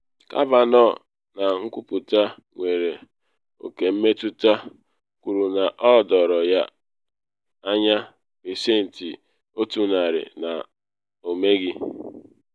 Kavanaugh, na nkwupụta nwere oke mmetụta, kwuru na o doro ya anya pasentị 100 na ọ meghị.